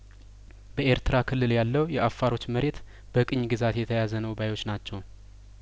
በኤርትራ ክልል ያለው የአፋሮች መሬት በቅኝ ግዛት የተያዘ ነው ባዮች ናቸው